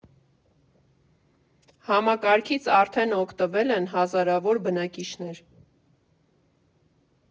Համակարգից արդեն օգտվել են հազարավոր բնակիչներ։